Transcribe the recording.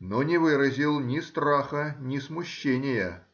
но не выразил ни страха, ни смущения